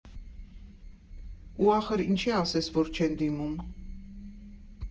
Ու ախր ինչի ասես, որ չեն դիմում։